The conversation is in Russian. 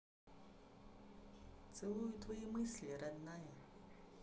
целую твои мысли родная